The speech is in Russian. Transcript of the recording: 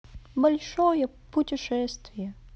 большое путешествие